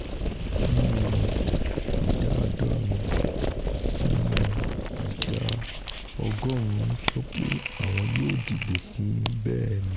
Nínú wọ̀n, ìdá àádọ́rin nínú ìdá ọgọ́ọ̀rún sọ pé àwọn yóò dìbò fún bẹ́ẹ̀ni.